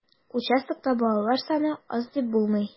Участокта балалар саны аз дип булмый.